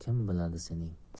kim biladi sening